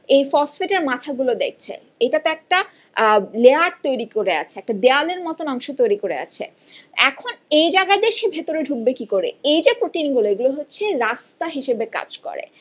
এই ফসফেট এর মাথা গুলো দেখছে এটাতো একটা লেয়ার তৈরি করে আছে দেয়ালের মতন অংশ তৈরি করে আছে এখন এই জায়গা দিয়ে সে ভেতরে ঢুকবে কী করে এইযে প্রোটিনগুলো এগুলো হচ্ছে রাস্তা হিসেবে কাজ করে